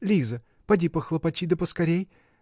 Лиза, пойди похлопочи, да поскорей.